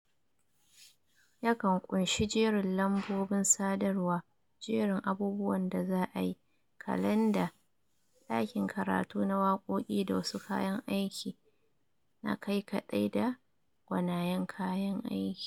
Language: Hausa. Yakan ƙunshi jerin lambobin sadarwa, jerin abubuwan da za’a yi, kalandar, ɗakin karatu na wakoki da wasu kayan aiki na kai kadai da gwanayen kayan aiki.